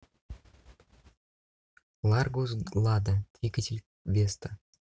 ларгус лада двигатель веста